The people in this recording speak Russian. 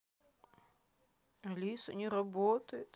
алиса не работает